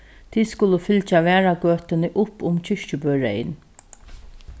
tit skulu fylgja varðagøtuni upp um kirkjubøreyn